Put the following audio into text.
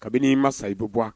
Kabini'i ma i bɛ bɔ